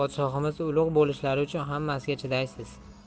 bo'lishlari uchun hammasiga chidaysiz